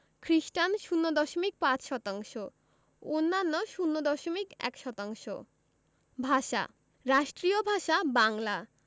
স্টান ০দশমিক ৫ শতাংশ অন্যান্য ০দশমিক ১ শতাংশ ভাষাঃ রাষ্ট্রীয় ভাষা বাংলা